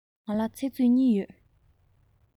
ང ལ ཚིག མཛོད གཉིས ཡོད